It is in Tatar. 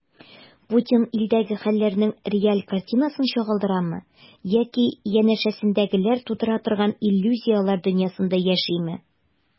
Путин илдәге хәлләрнең реаль картинасын чагылдырамы яки янәшәсендәгеләр тудыра торган иллюзияләр дөньясында яшиме?